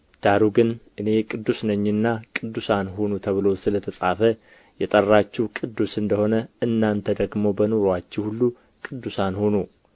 ዳሩ ግን እኔ ቅዱስ ነኝና ቅዱሳን ሁኑ ተብሎ ስለ ተጻፈ የጠራችሁ ቅዱስ እንደ ሆነ እናንተ ደግሞ በኑሮአችሁ ሁሉ ቅዱሳን ሁኑ